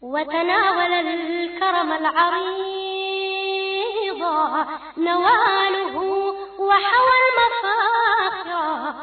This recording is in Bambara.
Wa wa mɔ naamudugu wa